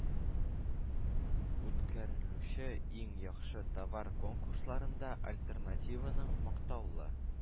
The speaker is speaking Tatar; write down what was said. Үткәрелүче “иң яхшы товар” конкурсларында “альтернатива”ның мактаулы